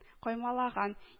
Каймалаган